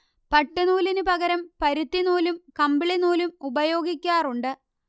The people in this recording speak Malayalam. പട്ട്നൂലിന് പകരം പരുത്തി നൂലും കമ്പിളി നൂലും ഉപയോഗിക്കാറുണ്ട്